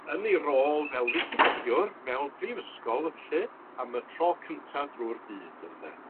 yn ei rôl fel wicipediwr mewn prifysgol yy felly am y tro cynta drw'r byd ynde.